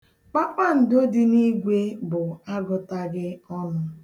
Kpakpando dị n'igwe bụ agụtaghị ọnụ.